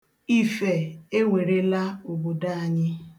Ife ewerela obodo anyị.